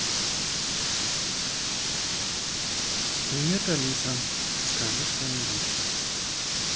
привет алиса скажи что нибудь